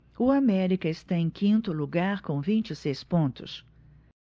o américa está em quinto lugar com vinte e seis pontos